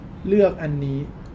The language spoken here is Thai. เลือกอันนี้